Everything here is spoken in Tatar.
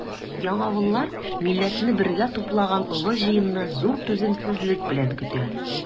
Яңавыллар милләтне бергә туплаган олы җыенны зур түземсезлек белән көтә.